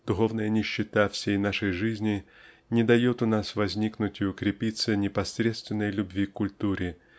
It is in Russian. духовная нищета всей нашей жизни не дает у нас возникнуть и укрепиться непосредственной любви к культуре